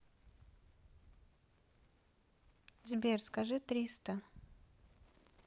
сбер скажи триста